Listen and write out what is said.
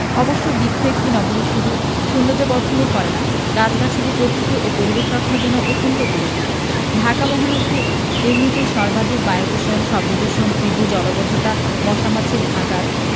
অবশ্য বৃক্ষ একটি নগরীর শুধু সৌন্দর্যবর্ধনই করে না গাছগাছালি প্রকৃতি ও পরিবেশ রক্ষার জন্যও অত্যন্ত উপযোগী ঢাকা মহানগরী এমনিতেই সর্বাধিক বায়ুদূষণ শব্দদূষণ তীব্র জলাবদ্ধতা মশা মাছির ভাঁগাড়